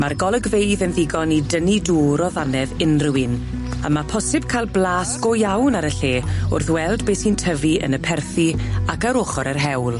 Ma'r golygfeydd yn ddigon i dynnu dŵr o ddannedd unrywun a ma' posib ca'l blas go iawn ar y lle wrth weld be' sy'n tyfu yn y perthi ac ar ochor yr hewl.